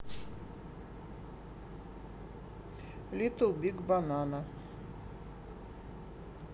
литл биг банана